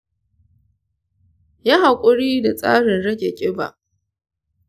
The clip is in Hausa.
yi haƙuri da tsarin rage kiba